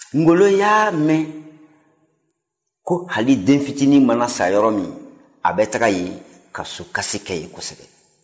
ni ngɔlɔ y'a mɛn ko hali denfitinin mana sa yɔrɔ min a bɛ taga yen ka sukasi kɛ yen kosɛbɛ